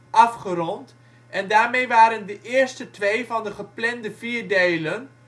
afgerond en daarmee waren de eerste twee van de geplande vier delen